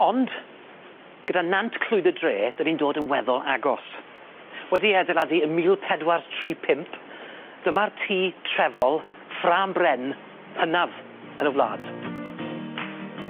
Ond gyda nant clwyd y dre, 'dyn ni'n dod yn weddol agos. Wedi ei adeiladu ym mil pedwar tri pump dyma'r tŷ trefol, ffrâm bren, hynaf yn y wlad.